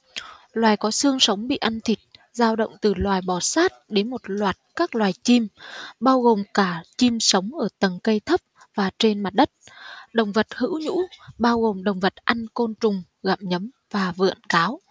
loài có xương sống bị ăn thịt dao động từ loài bò sát đến một loạt các loài chim bao gồm cả chim sống ở tầng cây thấp và trên mặt đất động vật hữu nhũ bao gồm động vật ăn côn trùng gặm nhấm và vượn cáo